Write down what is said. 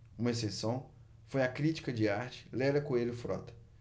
uma exceção foi a crítica de arte lélia coelho frota